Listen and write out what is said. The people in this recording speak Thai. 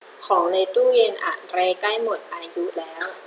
ของในตู้เย็นอะไรใกล้หมดอายุแล้ว